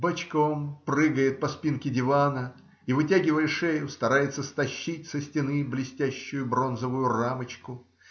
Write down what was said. бочком прыгает по спинке дивана и, вытягивая шею, старается стащить со стены блестящую бронзовую рамочку.